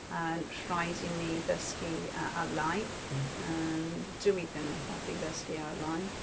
A'n rhaid i ni ddysgu ar-line. Yym dwi ddim yn hoffi ddysgu ar-line.